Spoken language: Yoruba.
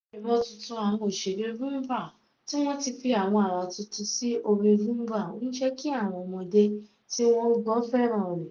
Orin Rhumba tún ti ń gbalẹ̀ káàkiri àwọn ilé-ijó tí wọ́n gbajúgbajà pẹ̀lú bí àwọn gbọ̀ngán tí wọ́n ti ń kọ orin náà ní orí ìtàgé ṣe ti ń jà ròhìnròhìn bíi iná oko káàkiri Kenya.